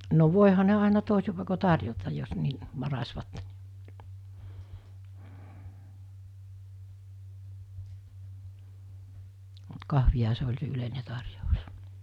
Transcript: no voihan ne aina toisin paikoin tarjota jos niin varasivat mutta kahvihan se oli se yleinen tarjous